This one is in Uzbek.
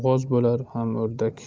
g'oz bo'lar ham o'rdak